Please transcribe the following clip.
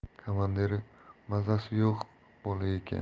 komandiri mazasi yo'q bola ekan